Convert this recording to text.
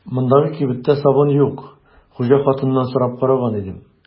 Мондагы кибеттә сабын юк, хуҗа хатыннан сорап караган идем.